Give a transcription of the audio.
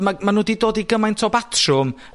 Ma' ma' nw 'di dod i gymaint o batrwm